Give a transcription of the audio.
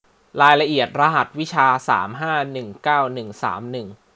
รายละเอียดรหัสวิชาสามห้าหนึ่งเก้าหนึ่งสามหนึ่ง